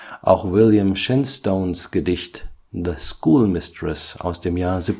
Auch William Shenstones Gedicht The Schoolmistress (1736